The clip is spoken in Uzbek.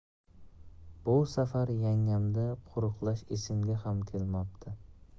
bu safar yangamni qo'riqlash esimga ham kelmabdi